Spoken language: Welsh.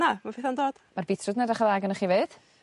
na fo'n dod. Ma'r beetroot yn edrych y' dda gynnoch chi 'fyd.